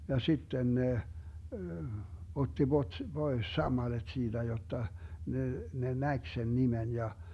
ja sitten ne otti - pois sammalet siitä jotta ne ne näki sen nimen ja